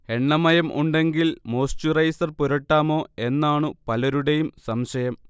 എണ്ണമയം ഉണ്ടെങ്കിൽ മോയിസ്ചറൈസർ പുരട്ടാമോ എന്നാണു പലരുടെയും സംശയം